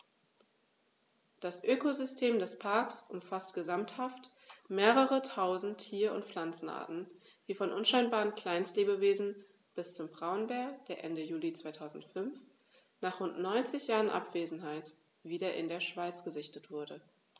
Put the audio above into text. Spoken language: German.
Das Ökosystem des Parks umfasst gesamthaft mehrere tausend Tier- und Pflanzenarten, von unscheinbaren Kleinstlebewesen bis zum Braunbär, der Ende Juli 2005, nach rund 90 Jahren Abwesenheit, wieder in der Schweiz gesichtet wurde.